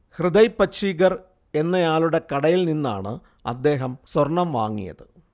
ഹൃദയ് പഛീഗർ എന്നയാളുടെ കടയിൽനിന്നാണ് അദ്ദേഹം സ്വർണം വാങ്ങിയത്